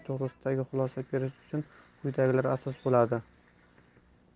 to'g'risida xulosa berish uchun quyidagilar asos bo'ladi